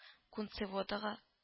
Кунцеводага